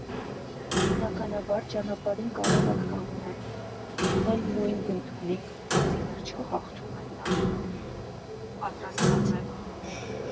Բնականաբար ճանապարհին կարող եք կանգնել, մտնել նույն «Գնթունիք», բայց, ի վերջո, հաղթում է նա, ով պատրաստված է։